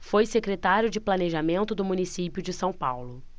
foi secretário de planejamento do município de são paulo